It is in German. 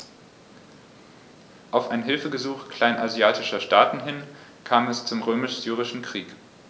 Auf ein Hilfegesuch kleinasiatischer Staaten hin kam es zum Römisch-Syrischen Krieg.